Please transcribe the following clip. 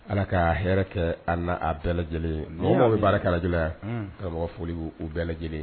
Ala ka hɛrɛ kɛ an n' a a bɛɛ lajɛlen ye, amina yarabi, mɔgɔ o mɔgɔ bɛ baara kɛ radio la yan, un, Karamɔgɔ ka foli b'u bɛɛ lajɛlen ye.